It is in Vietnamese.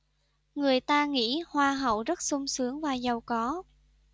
người ta nghĩ hoa hậu rất sung sướng và giàu có